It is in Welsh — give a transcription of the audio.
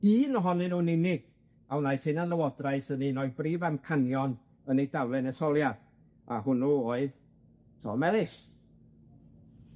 un ohonyn nw'n unig a wnaeth hunanlywodraeth yn un o'i brif amcanion yn eu daflen etholiad, a hwnnw oedd Tom Ellis.